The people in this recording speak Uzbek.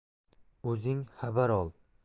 o'zing xabar ol